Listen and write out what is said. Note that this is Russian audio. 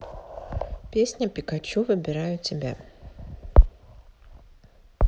песня пикачу выбираю тебя